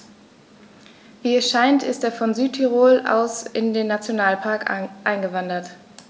Wie es scheint, ist er von Südtirol aus in den Nationalpark eingewandert.